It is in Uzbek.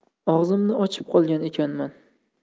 og'zimni ochib qolgan ekanman